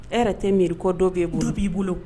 E yɛrɛ tɛ miiri kɔ dɔw kɛ' b'i bolo